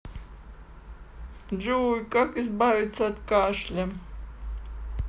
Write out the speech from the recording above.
джой как избавиться от кашля